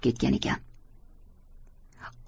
chiqib ketgan ekan